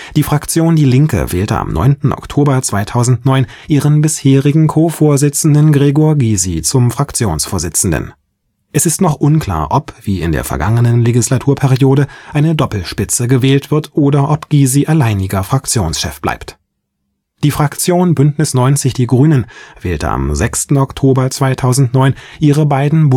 Die Fraktion „ Die Linke " wählte am 9. Oktober 2009 ihren bisherigen Co-Vorsitzenden Gregor Gysi zum Fraktionsvorsitzenden. Es ist noch unklar, ob — wie in der vergangenen Legislaturperiode — eine Doppelspitze gewählt wird oder ob Gysi alleiniger Fraktionschef bleibt. Die Fraktion Bündnis ' 90/Die Grünen wählte am 6. Oktober 2009 ihre beiden